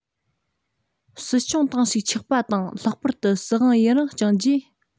སྲིད སྐྱོང ཏང ཞིག ཆགས པ དང ལྷག པར དུ སྲིད དབང ཡུན རིང བསྐྱངས རྗེས